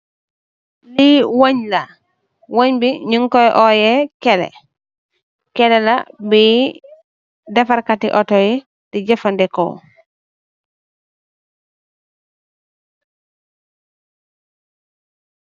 Lii wénge la, wénge bi ñung kooy uwee, kele, kélé la bi, defar katti Otto yi di jafëndeko.